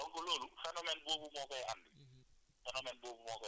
voilà très bien donc loolu phénomène boobu moo koy andi